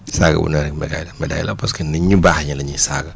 saaga wu ne rek médaille la médaille la parce que nit ñu baax ñi la ñuy saaga